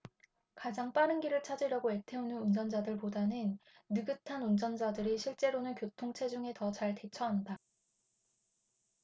가장 빠른 길을 찾으려고 애태우는 운전자들보다는 느긋한 운전자들이 실제로는 교통 체증에 더 잘 대처한다